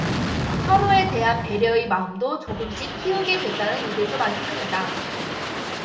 서로에 대한 배려의 마음도 조금씩 키우게 됐다는 이들도 많습니다